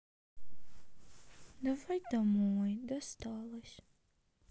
давай домой досталось